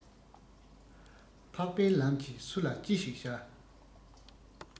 འཕགས པའི ལམ གྱིས སུ ལ ཅི ཞིག བྱ